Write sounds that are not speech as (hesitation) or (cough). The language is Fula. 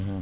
(hesitation) (hesitation)